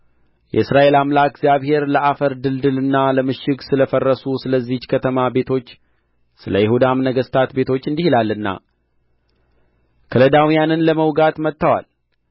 የእስራኤል አምላክ እግዚአብሄር ለአፈር ድልድልና ለምሽግ ስለ ፈረሱ ስለዚህች ከተማ ቤቶች ስለ ይሁዳም ነገሥታት ቤቶች እንዲህ ይላልና ከለዳውያን ለመዋጋት መጥተዋል